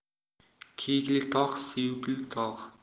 kiyikli tog' suyukli tog'